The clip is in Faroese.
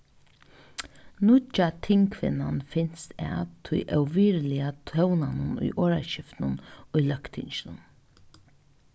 nýggja tingkvinnan finst at tí óvirðiliga tónanum í orðaskiftinum í løgtinginum